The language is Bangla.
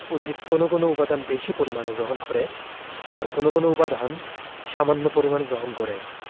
উদ্ভিদ কোনো কোনো উপাদান বেশি পরিমাণে গ্রহণ করে আবার কোনো কোনো উপাদান সামান্য পরিমাণে গ্রহণ করে